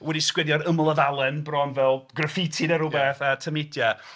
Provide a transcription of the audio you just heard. Wedi sgwennu ar yml y ddalen bron fel graffiti neu rhywbeth ar tameidiau.